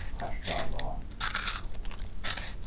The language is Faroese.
tartalág